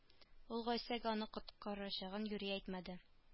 Ул гайсәгә аны коткарачагын юри әйтмәде